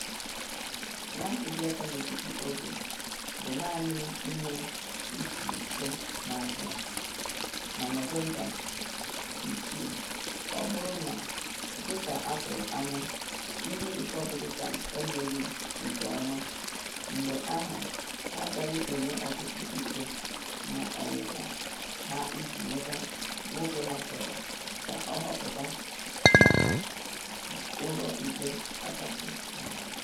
Ntuli aka etiti oge bụ naanị n’ime izu ise na abịa, na Nọvemba 6 - ọ bụrụ na, dị ka atụrụ anya, ndị Repọblikan emeghị nke ọma, mgbe ahụ ha agaghị enwe ọtụtụ ike n’ọnwụnwa ha iji nweta nwoke ha chọrọ ka ahọpụta maka ụlọ ikpe kachasị n’ala.